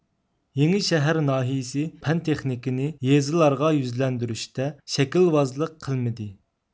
يېڭىشەھەر ناھىيىسى پەن تېخنىكىنى يېزىلارغا يۈزلەندۈرۈشتە شەكىلۋازلىق قىلمىدى